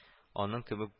Аның кебек